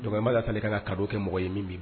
Dɔgɔ'a k ka kɛ mɔgɔ ye min bi